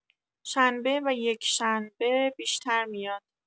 شنبه و یک‌شنبه بیشتر میاد